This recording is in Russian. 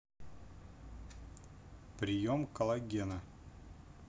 прием коллагена